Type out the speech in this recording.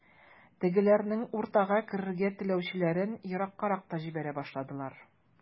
Тегеләрнең уртага керергә теләүчеләрен ераккарак та җибәрә башладылар.